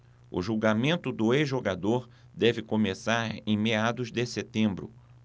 o julgamento do ex-jogador deve começar em meados de setembro